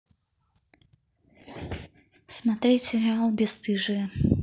смотреть сериал бесстыжие